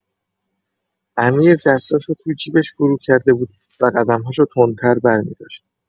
امیر دستاشو تو جیبش فروکرده بود و قدم‌هاشو تندتر برمی‌داشت.